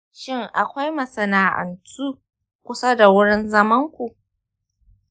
shin akwai masana’antu kusa da wurin zamanku?